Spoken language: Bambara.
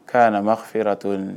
K'a na ma fɛ to nin